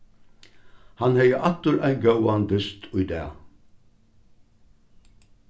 hann hevði aftur ein góðan dyst í dag